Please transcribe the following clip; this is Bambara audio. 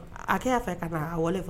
A ko y'a fɛ ka taa a wali